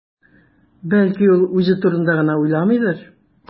Бәлки, ул үзе турында гына уйламыйдыр?